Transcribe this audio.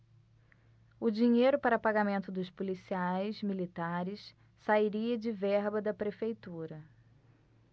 o dinheiro para pagamento dos policiais militares sairia de verba da prefeitura